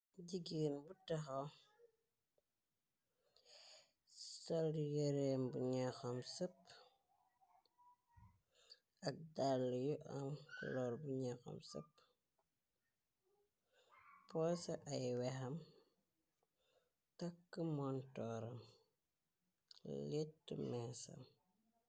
Jiggeen bu taxaw sol yereem bu ñaxam sëpp, ak dàll yu am kuloor bu ñaxam sepp, pose ay weham, takk montooram lettu meesam.